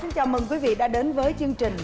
xin chào mừng quý vị đã đến với chương trình